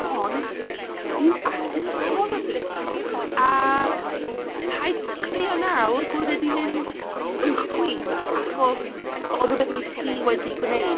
Ond you acted horribly... ie... a paid crio nawr bod e 'di mynd yn chwith achos o rywbeth rwyt ti wedi gwneud.